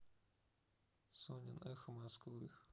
сонин эхо москвы